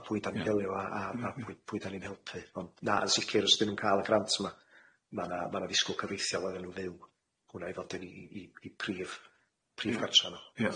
Efo pwy 'dan ni'n delio a a a pwy pwy 'dan ni'n helpu ond na yn sicir os 'dyn nw'n ca'l y grant 'ma ma' 'na ma' 'na ddisgwyl cyfreithiol iddyn nw fyw, hwnna i fod yn 'i 'i 'i prif prif gartra nw.